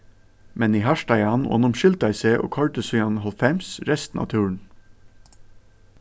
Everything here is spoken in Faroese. men eg hartaði hann og hann umskyldaði seg og koyrdi síðan hálvfems restina av túrinum